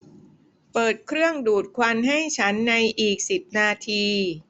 เปิดเครื่องดูดควันให้ฉันในอีกสิบนาที